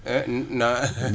non